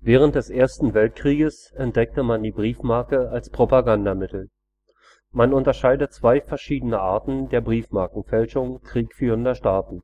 Während des Ersten Weltkrieges entdeckte man die Briefmarke als Propagandamittel. Man unterscheidet zwei verschiedene Arten der Briefmarkenfälschungen kriegführender Staaten,